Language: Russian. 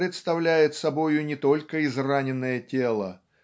представляет собою не только израненное тело